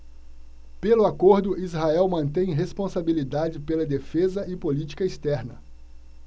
pelo acordo israel mantém responsabilidade pela defesa e política externa